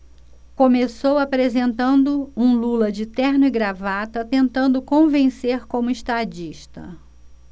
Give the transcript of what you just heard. começou apresentando um lula de terno e gravata tentando convencer como estadista